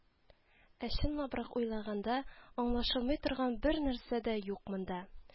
Ә чынлабрак уйлаганда, аңлашылмый торган бернәрсә дә юк монда